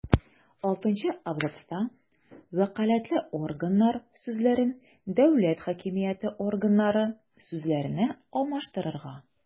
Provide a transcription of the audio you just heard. Алтынчы абзацта «вәкаләтле органнар» сүзләрен «дәүләт хакимияте органнары» сүзләренә алмаштырырга;